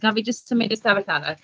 Gad fi jyst symud i'r stafell arall.